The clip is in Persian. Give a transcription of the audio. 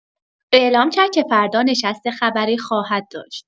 اعلام کرد که فردا نشست خبری خواهد داشت.